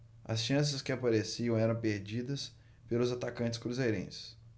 as chances que apareciam eram perdidas pelos atacantes cruzeirenses